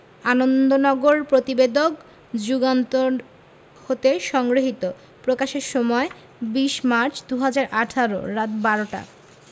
আনন্দনগর প্রতিবেদক যুগান্তর হতে সংগৃহীত প্রকাশের সময় ২০মার্চ ২০১৮ রাত ১২:০০ টা